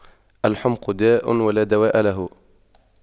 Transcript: الحُمْقُ داء ولا دواء له